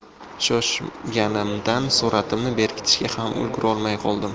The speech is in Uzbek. shoshganimdan suratimni berkitishga ham ulgurolmay qoldim